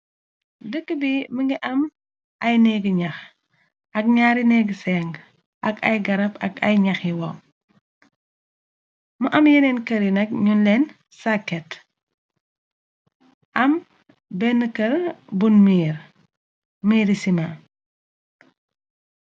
Dëkk bi mi ngi am ay néggi ñax ak ñaari néggi séng ak ay garab ak ay ñaxi wo mu am yeneen këri nag ñun leen saket am benn kër bun miir miiri sima.